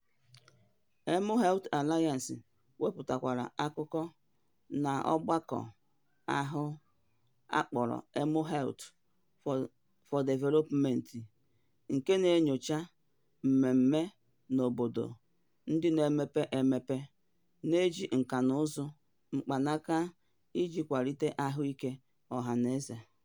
MHealth Alliance wepụtakwara akụkọ n'ọgbakọ ahụ a kpọrọ mHealth for Development, nke na-enyocha mmemme n'obodo ndị na-emepe emepe na-eji nkànaụzụ mkpanaka iji kwalite ahụike ọhanaeze.